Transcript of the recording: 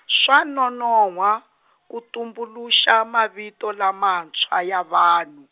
swa nonohwa, ku tumbuluxa mavito lamantshwa ya vanhu.